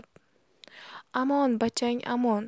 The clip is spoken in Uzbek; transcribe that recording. amon bachang amon